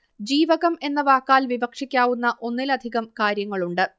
ജീവകം എന്ന വാക്കാൽ വിവക്ഷിക്കാവുന്ന ഒന്നിലധികം കാര്യങ്ങളുണ്ട്